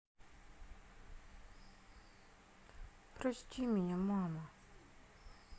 прости меня мама